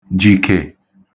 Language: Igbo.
jìkè